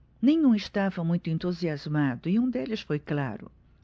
nenhum estava muito entusiasmado e um deles foi claro